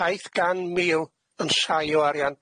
Saith gan mil yn sai o arian.